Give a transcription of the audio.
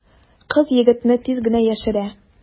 Кыз егетне тиз генә яшерә.